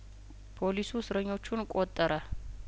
ፖሊሱ እስረኞቹን ቆጠረ